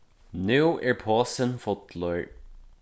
nú er posin fullur